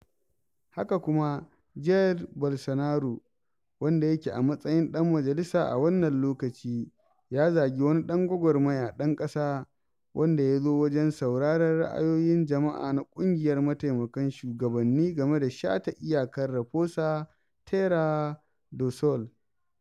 Haka kuma, Jair Bolsonaro, wanda yake a matsayin ɗan majalisa a wannan lokaci, ya zagi wani ɗan gwagwarmaya ɗan ƙasa wanda ya zo wajen sauraren ra'ayoyin jama'a na ƙungiyar mataimakan shugabanni game da shata iyakar Raposa Terra do Sol.